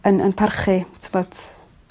yn yn parchu ti'bot